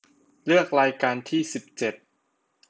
เลือกรายการที่สิบเจ็ด